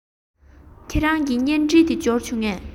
ཁྱེད རང གི བརྙན འཕྲིན དེ འབྱོར བྱུང ངས